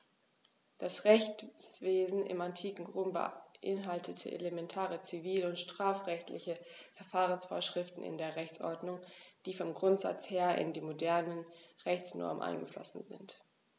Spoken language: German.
Das Rechtswesen im antiken Rom beinhaltete elementare zivil- und strafrechtliche Verfahrensvorschriften in der Rechtsordnung, die vom Grundsatz her in die modernen Rechtsnormen eingeflossen sind.